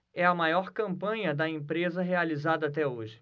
é a maior campanha da empresa realizada até hoje